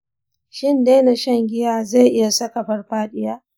shin daina shan giya zai iya saka farfadiya?